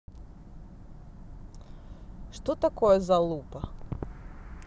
что такое залупа